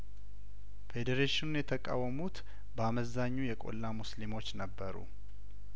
ፌዴሬሽኑን የተቃወሙት በአመዛኙ የቆላ ሙስሊሞች ነበሩ